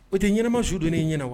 O tɛ ɲɛnaɛnɛma sudon' ɲɛna wa